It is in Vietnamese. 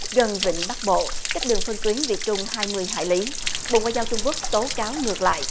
gần vịnh bắc bộ cách đường phân tuyến việt trung hai mươi hải lý bộ ngoại giao trung quốc tố cáo ngược lại